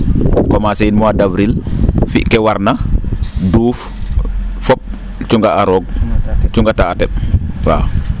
commencer in mois d' avril fi kee warna duuf fop cungaa a roog cungata a te? waaw